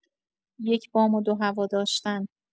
یک بام و دو هوا داشتن